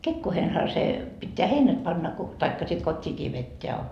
kekoihinhan se pitää heinät panna kun tai sitten kotiinkin vetää